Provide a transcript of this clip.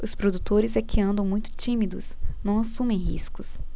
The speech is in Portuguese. os produtores é que andam muito tímidos não assumem riscos